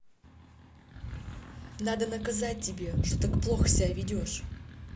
надо наказать тебе что так плохо себя ведешь